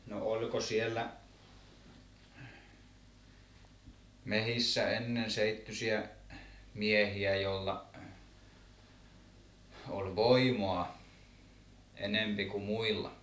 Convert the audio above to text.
no oliko siellä metsissä ennen seittyisiä miehiä joilla oli voimaa enempi kuin muilla